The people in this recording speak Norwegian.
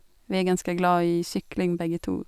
Vi er ganske glad i sykling begge to.